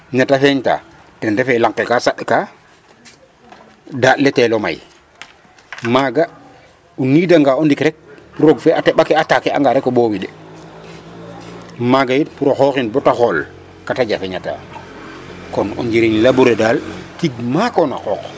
Ne ta feñta ten ref ee lang ke ka saɗka daaƭ le teel o may maaga o niidangaa o ndik rek roog fe a teƥ ake attaquer anga rek o ɓoowiɗ maaga yit pour o xooxin boo ta xool ka ta jafeñataa kon o njiriñ labourer daal tig maak o na qooq.